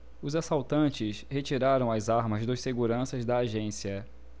os assaltantes retiraram as armas dos seguranças da agência